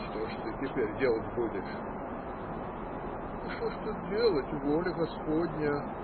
- Что ж ты теперь делать будешь? - Что ж тут делать. Воля господня.